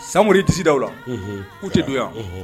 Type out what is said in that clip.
Samoy y'i disi da u la k'u tɛ don yan!